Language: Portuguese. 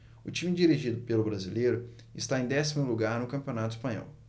o time dirigido pelo brasileiro está em décimo lugar no campeonato espanhol